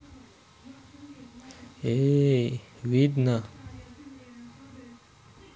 трусики видно